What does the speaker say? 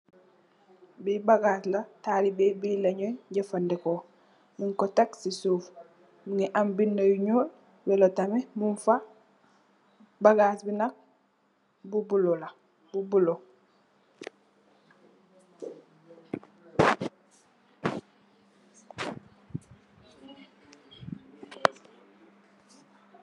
Li bagas la talibeh bi le nyui jefendeko nyung ko teck si suuf mogi am binda yu nuul yellow tamit mung fa bagass bi nak bu bulo la bu bulo.